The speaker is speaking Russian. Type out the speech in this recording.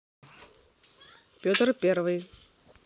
петр первый